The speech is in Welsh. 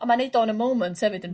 On' ma' neud o yn y moment hefyd yn...